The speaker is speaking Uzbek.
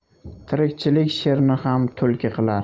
tirikchilik sherni ham tulki qilar